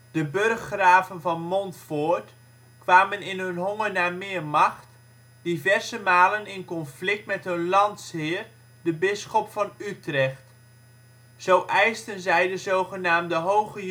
De burggraven van Montfoort kwamen in hun honger naar meer macht diverse malen in conflict met hun landsheer, de bisschop van Utrecht. Zo eisten zij de zogenaamde hoge